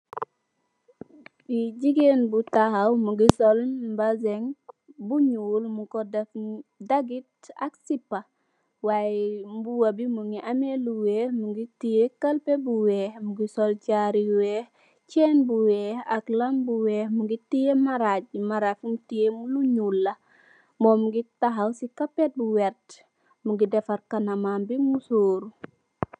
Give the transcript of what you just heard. Kii jigeen bu taxaw mungi sol mbesengbu ñul mungko deff tagit ak sipa wy mbubabi mungi ameh lu wekh mungi tiyeh kalpeh bu wekh mungi sol jaru yu wekh Chen bu wekh ak lambu wekh mungi tiyeh Maraj marajbi Lum tiyeh lu ñulla mom mungi taxaw si kapet bu wert mungi defarr kanamambi musoru.